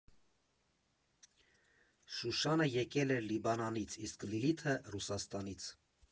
Շուշանը եկել էր Լիբանանից, իսկ Լիլիթը՝ Ռուսաստանից։